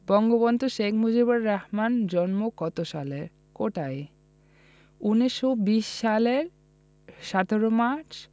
বঙ্গবন্ধু শেখ মুজিবুর রহমানের জন্ম কত সালে কোথায় ১৯২০ সালের ১৭ মার্চ